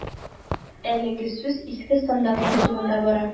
Әлегә сүз иске стандартлар турында бара.